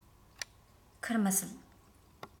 ཁུར མི སྲིད